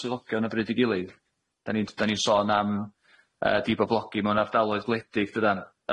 swyddogion y bryd i gilydd 'dan ni'n 'dan ni'n sôn am yy diboblogi mewn ardaloedd gwledig dydan?